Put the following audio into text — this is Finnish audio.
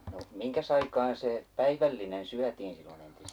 no mihinkäs aikaan se päivällinen syötiin silloin entiseen aikaan